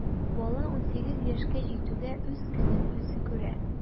Бала унсигез яшькә җитүгә үз көнен үзе күрә.